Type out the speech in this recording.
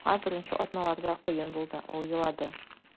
Доржуга беренче атналарда кыен булды, ул елады.